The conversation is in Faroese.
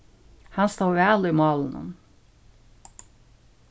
hann stóð væl í málinum